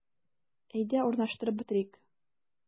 Әйдә, урнаштырып бетерик.